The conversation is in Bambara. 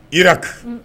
Irak